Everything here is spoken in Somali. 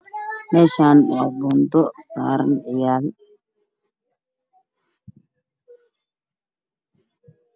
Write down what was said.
Meshaan waa bundo saran ciyaal